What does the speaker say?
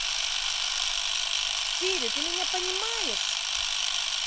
сири ты меня понимаешь